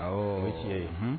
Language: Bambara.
Ɔ o tiɲɛ ye